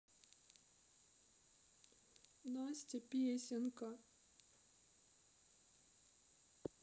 настя песенка